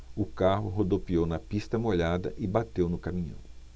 o carro rodopiou na pista molhada e bateu no caminhão